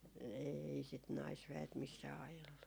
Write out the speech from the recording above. ei sitä naisväet missään ajellut